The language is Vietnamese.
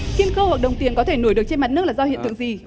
kim cương hoặc đồng tiền có thể nổi được trên mặt nước là do hiện tượng gì